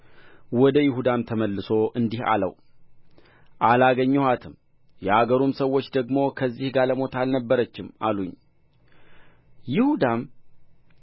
ወደ ይሁዳም ተመልሶ እንዲህ አለው አላገኘኋትም የአገሩም ሰዎች ደግሞ ከዚህ ጋለሞታ አልነበረችም አሉኝ ይሁዳም